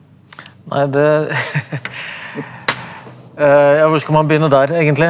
nei det ja hvor skal man begynne der egentlig?